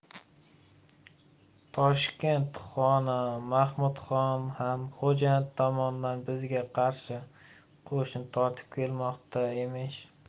toshkent xoni mahmudxon ham xo'jand tomondan bizga qarshi qo'shin tortib kelmoqda emish